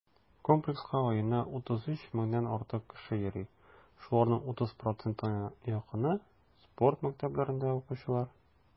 Комплекска аена 33 меңнән артык кеше йөри, шуларның 30 %-на якыны - спорт мәктәпләрендә укучылар.